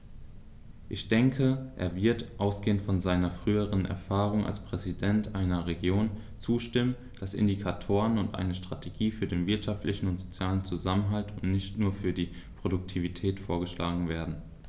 Ich denke, er wird, ausgehend von seiner früheren Erfahrung als Präsident einer Region, zustimmen, dass Indikatoren und eine Strategie für den wirtschaftlichen und sozialen Zusammenhalt und nicht nur für die Produktivität vorgeschlagen werden.